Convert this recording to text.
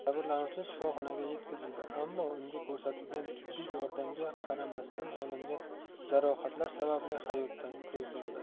jabrlanuvchi shifoxonaga yetkazildi ammo unga ko'rsatilgan tibbiy yordamga qaramasdan olingan jarohatlar sababli hayotdan ko'z yumdi